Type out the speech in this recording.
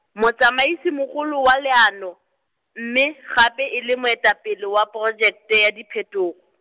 motsamaisi mogolo wa leano, mme gape e le moetapele wa porojeke ya diphetogo.